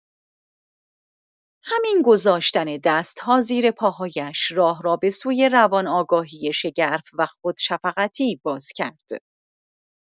همین گذاشتن دست‌ها زیر پاهایش راه را به سوی روان‌آگاهی شگرف و خودشفقتی باز کرد.